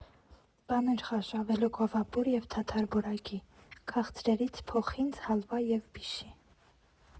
Պանրխաշ, ավելուկով ապուր և թաթար բորակի, քաղցրերից՝ փոխինձ, հալվա և բիշի։